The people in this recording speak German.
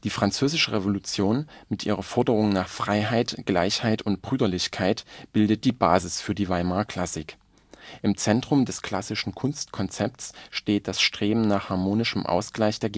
Französische Revolution mit ihrer Forderung nach Freiheit, Gleichheit und Brüderlichkeit bildet die Basis für die Weimarer Klassik. Im Zentrum des klassischen Kunstkonzepts steht das Streben nach harmonischem Ausgleich der